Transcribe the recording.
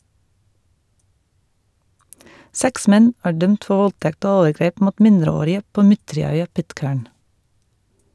Seks menn er dømt for voldtekt og overgrep mot mindreårige på mytteri-øya Pitcairn.